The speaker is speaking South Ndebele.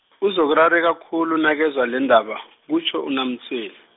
uzokurareka khulu nakezwa lendaba , kutjho UNaMtshweni.